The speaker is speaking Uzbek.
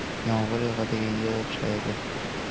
yomg'ir yog'adiganga o'xshaydi